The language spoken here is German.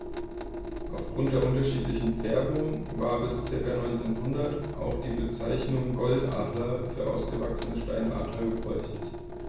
Auf Grund der unterschiedlichen Färbung war bis ca. 1900 auch die Bezeichnung Goldadler für ausgewachsene Steinadler gebräuchlich.